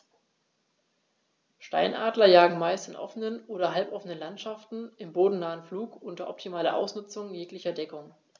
Steinadler jagen meist in offenen oder halboffenen Landschaften im bodennahen Flug unter optimaler Ausnutzung jeglicher Deckung.